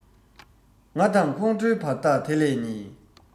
ང དང ཁོང ཁྲོའི བར ཐག དེ ལས ཉེ